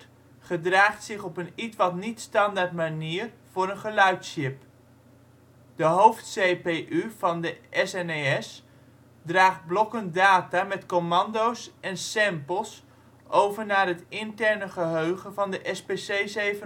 gedraagt zich op een ietwat niet-standaard manier voor een geluidschip. De hoofd-cpu van de SNES draagt blokken data met commando 's en samples over naar het interne geheugen van de SPC700. Deze